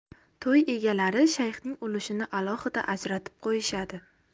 to'y egalari shayxning ulushini alohida ajratib qo'yishadi